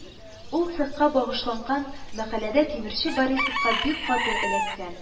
Ул цехка багышланган мәкаләдә тимерче Борисовка бик каты эләккән